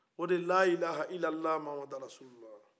o de ye lahila hahila muhamadrasurula